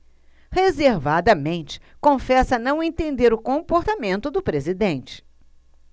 reservadamente confessa não entender o comportamento do presidente